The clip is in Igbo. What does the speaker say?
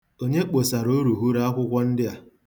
Onye kposara urughuru akwụkwọ ndị a?